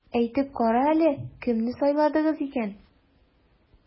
Әйтеп кара әле, кемне сайладыгыз икән?